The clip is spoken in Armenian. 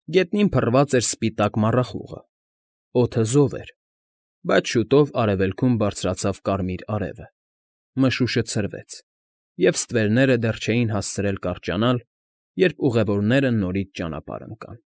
Գետնին փռված էր սպիտակ մառախուղը, օդը զով էր, բայց շուտով արևելքում բաձրացավ կարմիր արևը, մշուշը ցրվեց, և ստվերները դեռ չէին հասցրել կարճանալ, երբ ուղևորները նորից ճանապարհ ընկան։